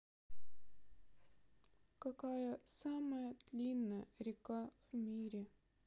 какая самая длинная река в мире